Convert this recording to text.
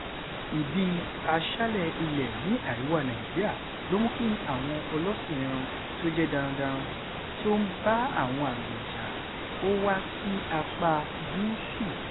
Ìdi-aṣálẹ̀-ilẹ̀ ní àríwá Nàìjíríà ló mú kí àwọn ọlọ́sìn-ẹran tí ó jẹ́ darandaran tí ó ń bá àwọn àgbẹ̀ jà ó wà sí apá gúúsù.